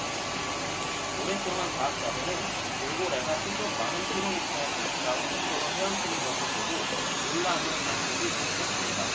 오랫동안 과학자들은 돌고래가 시속 마흔 킬로미터에 가까운 속도로 헤엄치는 것을 보고 놀라움을 감추지 못했습니다